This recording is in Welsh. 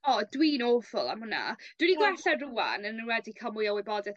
O dwi'n aweful am hwnna dwi 'di gwella rŵan yn enwedi ca'l mwy o wybodeth